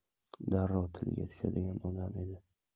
darrov tilga tushadigan odam edi